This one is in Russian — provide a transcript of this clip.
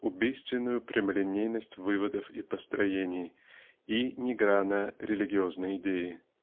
убийственную прямолинейность выводов и построений и ни грана -- религиозной идеи.